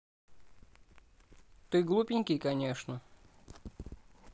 ты глупенький конечно